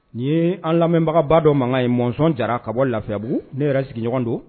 Nin ye an lamɛnbagaba dɔ mankan ye mɔnzɔn jara ka bɔ lafiyabugu ne yɛrɛ sigiɲɔgɔn don